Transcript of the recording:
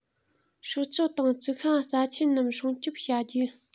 སྲོག ཆགས དང རྩི ཤིང རྩ ཆེན རྣམས སྲུང སྐྱོང བྱ རྒྱུ